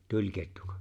tulikettuko